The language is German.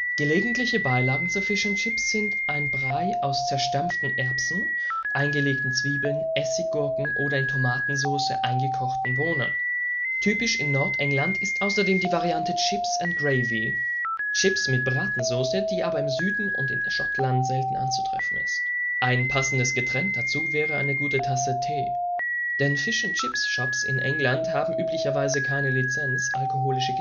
Gelegentliche Beilagen zu Fish and Chips sind ein Brei aus zerstampften Erbsen (mushy peas), eingelegte Zwiebeln, Essiggurken (gherkins) oder in Tomatensoße eingekochte Bohnen (baked beans). Typisch in Nordengland ist außerdem die Variante chips and gravy (Chips mit Bratensoße), die aber im Süden und in Schottland selten anzutreffen ist. Ein passendes Getränk dazu wäre eine gute Tasse Tee - denn Fish-and-Chips-Shops in England haben üblicherweise keine Lizenz, alkoholische